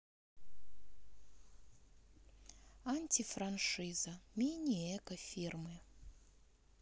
антифраншиза мини эко фирмы